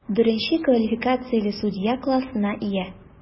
Беренче квалификацияле судья классына ия.